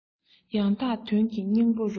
ཡང དག དོན གྱི སྙིང པོ རུ